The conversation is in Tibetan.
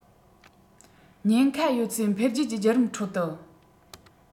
ཉེན ཁ ཡོད ཚད འཕེལ རྒྱས ཀྱི བརྒྱུད རིམ ཁྲོད དུ